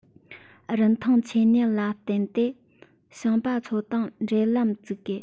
རིན ཐང ཆོས ཉིད ལ བསྟུན ཏེ ཞིང པ ཚོ དང འབྲེལ ལམ འཛུགས དགོས